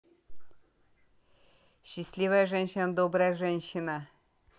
счастливая женщина добрая женщина